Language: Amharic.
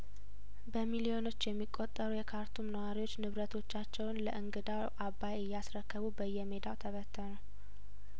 በሚሊዮኖች የሚቆጠሩ የካርቱም ነዋሪዎች ንብረቶቻቸውን ለእንግዳው አባይ እያስረከቡ በየሜዳው ተበተኑ